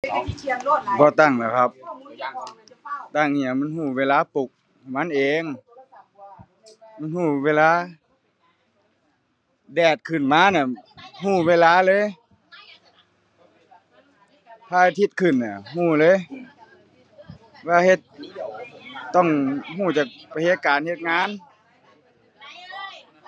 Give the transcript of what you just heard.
บ่ตั้งล่ะครับ ตั้งอิหยังมันรู้เวลาปลุกมันเอง มันรู้เวลาแดดขึ้นมาเนี่ยรู้เวลาเลย พระอาทิตย์ขึ้นเนี่ยรู้เลย ว่าเฮ็ดต้องรู้จักไปเฮ็ดการเฮ็ดงาน